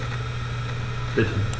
Bitte.